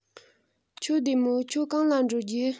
ཁྱོད བདེ མོ ཁྱོད གང ལ འགྲོ རྒྱུ